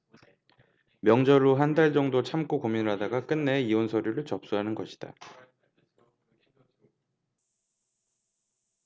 명절 후 한달 정도 참고 고민하다가 끝내 이혼 서류를 접수하는 것이다